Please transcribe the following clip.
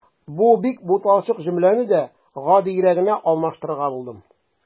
Бу бик буталчык җөмләне дә гадиерәгенә алмаштырырга булдым.